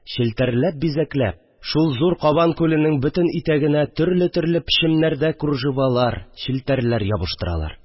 Челтәрләп-бизәкләп, шул зур кабан күленең бөтен итәгенә төрле-төрле печемләрдә кружевалар, челтәрләр ябыштыралар